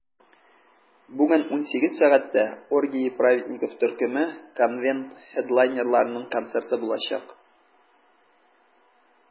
Бүген 18 сәгатьтә "Оргии праведников" төркеме - конвент хедлайнерларының концерты булачак.